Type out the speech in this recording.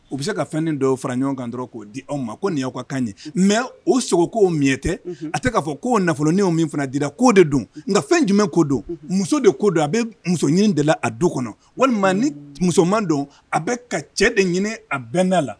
U bɛ se ka fɛn dɔw fara ɲɔgɔn kan dɔrɔn k'o di aw ma ko nin'aw ka kan ye mɛ o sogo ko mi tɛ a tɛ k'a fɔ k'o nafoloin min fana dira ko oo de don nka fɛn jumɛn ko don muso de ko don a bɛ muso ɲini de la a du kɔnɔ walima ni musoman man don a bɛ ka cɛ de ɲini a bɛnda la